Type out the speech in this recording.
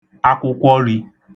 akwụkwọrī